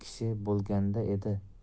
kishi bo'lganda edi